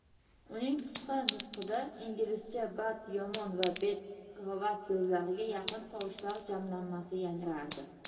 uning qisqa nutqida inglizcha bad yomon va bed krovat so'zlariga yaqin tuvoshlar jamlanmasi yangradi